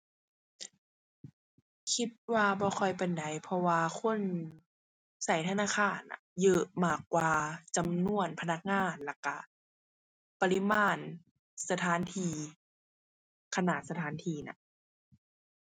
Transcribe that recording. คิดว่าบ่ค่อยปานใด เพราะว่าคนใช้ธนาคารน่ะเยอะมากกว่าจำนวนพนักงาน แล้วใช้ปริมาณสถานที่ ขนาดสถานที่น่ะ